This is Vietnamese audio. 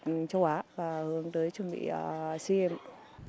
châu á ạ và hướng tới chuẩn bị xi ghêm